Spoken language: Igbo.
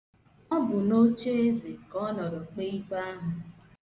Ọ bụ n'ocheeze ka ọ nọrọ kpee ikpe ahụ.